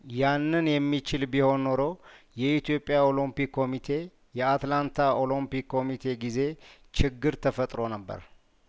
ያንን የሚችል ቢሆን ኖሮ የኢትዮጵያ ኦሎምፒክ ኮሚቴ የአትላንታ ኦሎምፒክ ኮሚቴ ጊዜ ችግር ተፈጠሮ ነበር